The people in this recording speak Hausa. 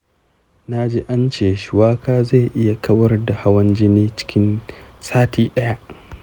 naji ance shuwaka zai iya kawar da hawan jini cikin sati ɗaya.